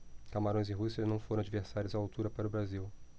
camarões e rússia não foram adversários à altura para o brasil